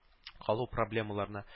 Калу проблемаларына